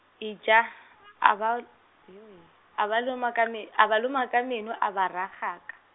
ija, a ba, a ba loma ka me-, a ba loma ka meno a ba ragaka.